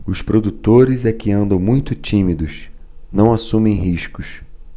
os produtores é que andam muito tímidos não assumem riscos